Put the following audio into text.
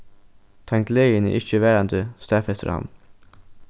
tann gleðin er ikki varandi staðfestir hann